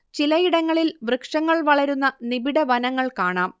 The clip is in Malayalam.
ചിലയിടങ്ങളിൽ വൃക്ഷങ്ങൾ വളരുന്ന നിബിഡ വനങ്ങൾ കാണാം